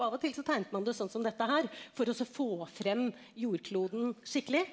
av og til så tegnet man det sånn som dette her for og så få frem jordkloden skikkelig.